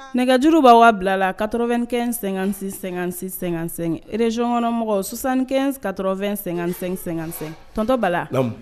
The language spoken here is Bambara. Nɛgɛjuru bɛ aw ka bila la 95 56 56 55 region kɔnɔmɔgɔw 75 80 55 aw b'a sɔrɔ tonton Bala. Naamu.